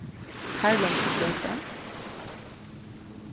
karlotsgøta